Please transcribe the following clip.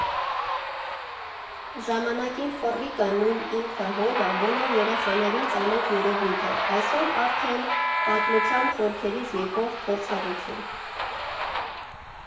Ժամանակին ֆռռիկը (նույն ինքը՝ հոլը) բոլոր երեխաներին ծանոթ երևույթ էր, այսօր արդեն՝ պատմության խորքերից եկող փորձառություն։